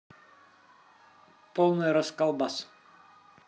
полный расколбас